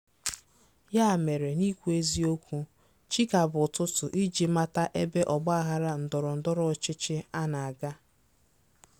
Ya mere n'ikwu eziokwu chi ka bụ ụtụtụ iji mata ebe ọgbaghara ndọrọndọrọ ọchịchị a na-aga.